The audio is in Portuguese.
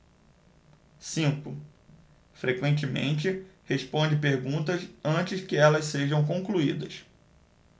cinco frequentemente responde perguntas antes que elas sejam concluídas